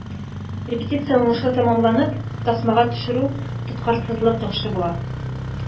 Репетиция уңышлы тәмамланып, тасмага төшерү тоткарлыксыз яхшы була.